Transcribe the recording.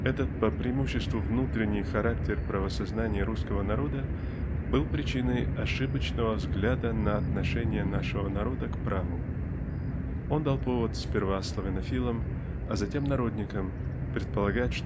Этот по преимуществу внутренний характер правосознания русского народа был причиной ошибочного взгляда на отношение нашего народа к праву. Он дал повод сперва славянофилам а затем народникам предполагать